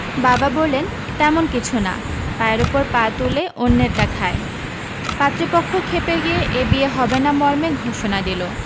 বাবা বললেন তেমন কিছু না পায়ের ওপর পা তুলে অন্যেরটা খায় পাত্রীপক্ষ খেপে গিয়ে এ বিয়ে হবে না মর্মে ঘোষণা দিল